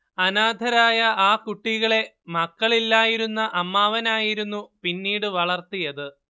അനാഥരായ ആ കുട്ടികളെ മക്കളില്ലായിരുന്ന അമ്മാവനായിരുന്നു പിന്നീട് വളർത്തിയത്